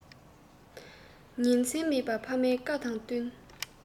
ཉིན མཚན མེད པ ཕ མའི བཀའ དང བསྟུན